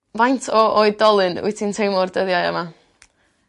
Faint o oedolyn wyt ti'n teimlo'r dyddiau yma?